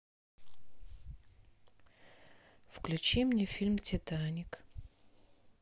включи мне фильм титаник